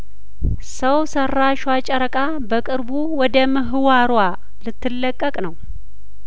ሰው ሰራሿ ጨረቃ በቅርቡ ወደምህዋሯ ልትለቀቅ ነው